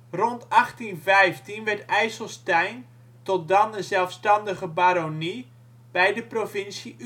Rond 1815 werd IJsselstein, tot dan een zelfstandige baronie, bij de provincie